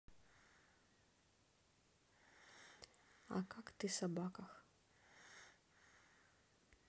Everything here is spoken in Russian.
а как ты собаках